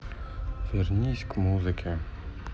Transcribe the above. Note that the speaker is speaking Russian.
вернись к музыке